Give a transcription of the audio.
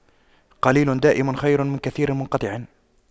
قليل دائم خير من كثير منقطع